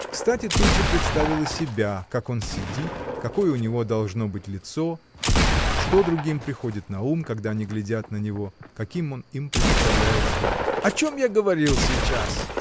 Кстати тут же представил и себя, как он сидит, какое у него должно быть лицо, что другим приходит на ум, когда они глядят на него, каким он им представляется? — О чем я говорил сейчас?